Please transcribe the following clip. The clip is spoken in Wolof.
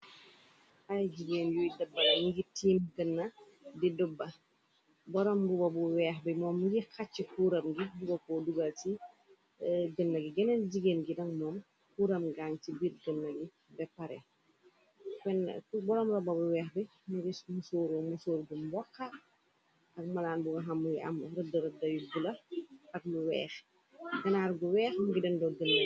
Ay jigeen yuy debbula ngi tiim gënna di dubbu boroom mbuba bu weex bi moo mungi xacci kuuram gi dugako dugal ci gënna gi geneen jigeen gi na moom kuuram ngaang ci biir gënna gi be pare u boroom roba bu weex bi mu ngis mu sóuru mu sóur gum boxxa ak malaan bu ga xamuyi am rëdd rëddayu gu la ak lu weex ganaar gu weex ngi dendoo gënn.